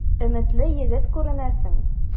Өметле егет күренәсең.